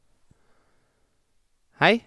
Hei.